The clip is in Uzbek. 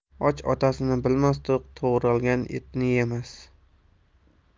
och otasini bilmas to'q to'g'ralgan etni yemas